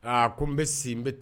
Aa ko n bɛ si n bɛ ten